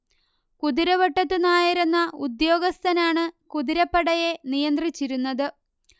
കുതിരവട്ടത്തു നായർ എന്ന ഉദ്യോഗസ്ഥനാണ് കുതിരപ്പടയെ നിയന്ത്രിച്ചിരുന്നത്